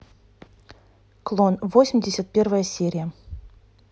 клон восемьдесят первая серия